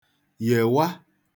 yèwa